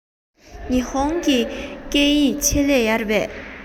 ཉི ཧོང གི སྐད ཡིག ཆེད ལས ཡོད རེད པས